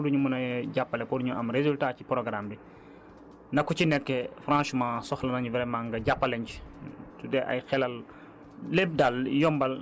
donc na ñun ñépp jàpp si vraiment lépp lu ñu mun a jàppale pour ñu am résultat ci programme bi na ku ci nekk franchement soxala nañu vraiment nga jàppale ñu si